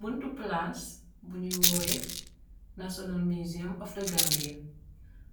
Buntu plaas buñuy woowee Nasional museum Of The Gambia